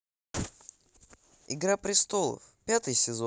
игра престолов пятый сезон